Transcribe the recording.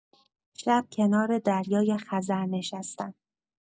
شب کنار دریای‌خزر نشستم.